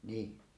niin